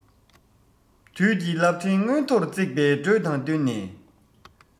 དུས ཀྱི རླབས ཕྲེང མངོན མཐོར བརྩེགས པའི འགྲོས དང བསྟུན ནས